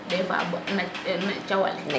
dés fois na na cawale